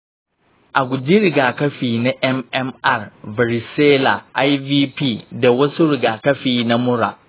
a guji rigakafi na mmr, varicella, ivp, da wasu rigakafi na mura.